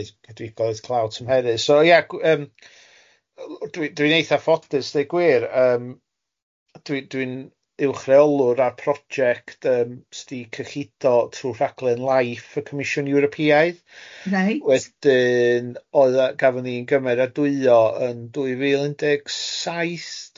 Coedwigoedd glaw tymherydd. So ie gw- yym dwi dwi'n eitha ffodus deud gwir yym dwi dwi'n, uwchreolwr a project yym sy'n cylludo trwy rhaglen life y Cymisiwn Ewropeaidd reit wedyn oedd o gafon ni gymeradwyo yn dwy fil un deg saith?